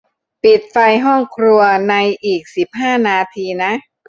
ปิดไฟห้องครัวในอีกสิบห้านาทีนะ